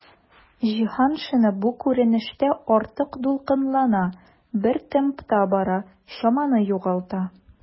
Җиһаншина бу күренештә артык дулкынлана, бер темпта бара, чаманы югалта.